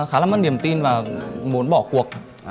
khá là mất niềm tin và muốn bỏ cuộc